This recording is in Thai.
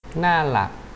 หน้าหลัก